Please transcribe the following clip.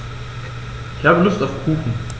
Ich habe Lust auf Kuchen.